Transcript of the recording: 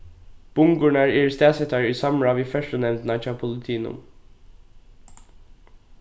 bungurnar eru staðsettar í samráð við ferðslunevndina hjá politinum